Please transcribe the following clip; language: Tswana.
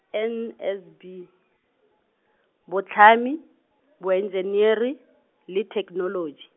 N S B , Botlhami, Boenjeniri le Thekenoloji.